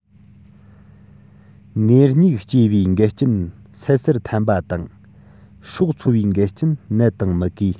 ནས མྱུག སྐྱེ བའི འགལ རྐྱེན སད སེར ཐན པ དང སྲོག འཚོ བའི འགལ རྐྱེན ནད དང མུ གེ